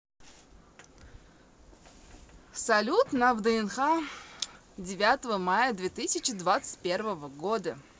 салют на вднх девятого мая две тысячи двадцать первого года